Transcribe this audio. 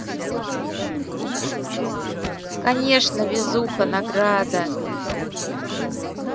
конечно везуха награда